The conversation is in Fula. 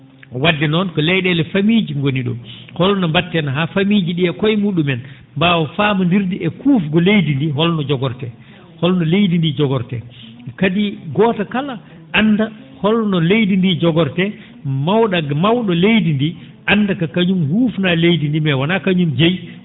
wadde noon ko ley?eele famille ji ngoni ?oon holno mba?eten haa famille ji ?ii e koye mu?umen mbaawa faamonndirde e kuufngu leydi ndii holno jogortee holno leydi ndi jogortee kadi gooto kala annda holno leydi ndii jogortee maw?o maw?o leydi ndii annda ko kañum huufnaa leydi ndii mais wonaa kañum jeyi